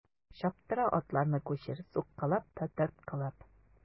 Чаптыра атларны кучер суккалап та тарткалап.